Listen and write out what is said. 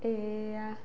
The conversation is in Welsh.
Ia.